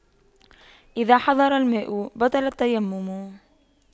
إذا حضر الماء بطل التيمم